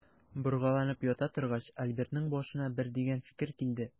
Боргаланып ята торгач, Альбертның башына бер дигән фикер килде.